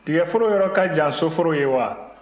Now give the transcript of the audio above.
tigaforo yɔrɔ ka jan sɔforo ye wa